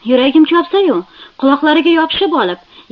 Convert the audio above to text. yuragim chopsa yu quloqlariga yopishib olib